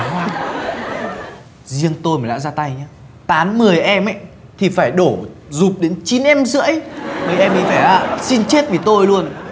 hoa riêng tôi mà đã ra tay ý tán mười em thì phải đổ rụp đến chín em rưỡi mấy em như thể á xin chết vì tôi luôn